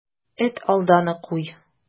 Эт алдына куй.